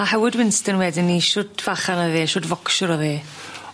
A Howard Winston wedyn 'ny shwd fachan oedd e shwd focsiwr o'dd e?